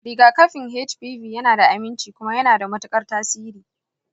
rigakafin hpv yana da aminci kuma yana da matuƙar tasiri.